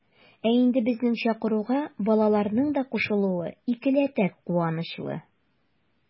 Ә инде безнең чакыруга балаларның да кушылуы икеләтә куанычлы.